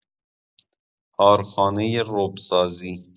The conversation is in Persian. کارخانۀ رب‌سازی